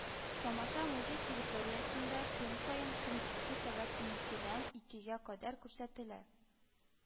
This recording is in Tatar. Тамаша музей территориясендә көн саен көндезге сәгать уникедән икегә кадәр күрсәтелә